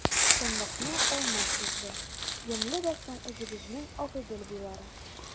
Тынлыкны Алмаз бозды:— Ямьле дә соң үзебезнең Агыйдел буйлары!